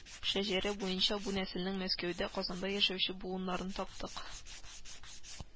Шәҗәрә буенча бу нәселнең Мәскәүдә, Казанда яшәүче буыннарын таптык